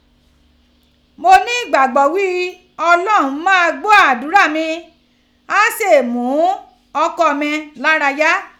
Mo ni igbagbọ ghi Ọlọrun maa gbọ adura mi, a se mu ọkọ mi lara ya.